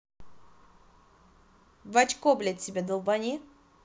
в очко блядь себя долбани